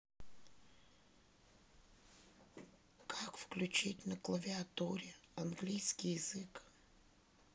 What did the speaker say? как включить на клавиатуре английский язык